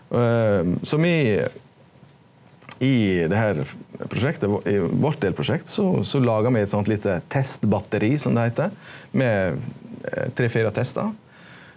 so me i det her prosjektet i vårt delprosjekt so so lagar me eit sånt lite testbatteri som det heiter med tre fire testar.